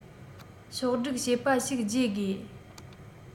ཕྱོགས བསྒྲིགས བྱས པ ཞིག བརྗེ དགོས